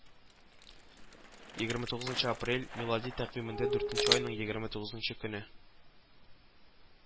Егерме тугызынчы апрель милади тәкъвимендә дүртенче айның егерме тугызынчы көне